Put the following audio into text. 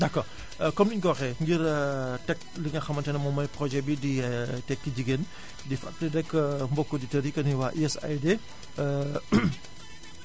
d' accord comme niñ ko waxee ngir teg li nga xamante ne moom mooy projet bii di tekki Jigéen di fàttali rekk mbokku auditeurs yi que ni waa USAID